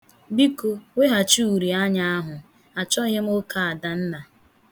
Biko, weghachi uri anya ahụ. Achọghị m ụka Adanna.